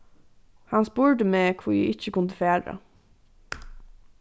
hann spurdi meg hví eg ikki kundi fara